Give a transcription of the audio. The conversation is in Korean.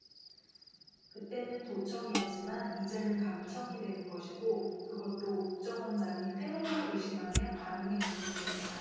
그 때는 도청이었지만 이제는 감청이 되는 것이고 그것도 국정원장이 테러로 의심하면 가능해지는 것이다